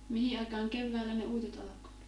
mihin aikaan keväällä ne uitot alkoi